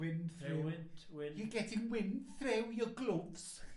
Wind threw. Rhywynt, wyn... You're getting wind threw your gloves.